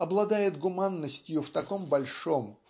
обладает гуманностью в таком большом